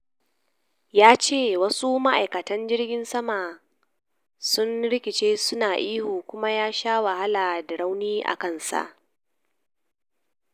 Yace masu ma’aikatan jirgin saman sun rikice su na ihu, kuma ya sha wahala da rauni a kansa.